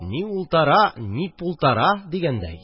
Ни ултара, ни пултара дигәндәй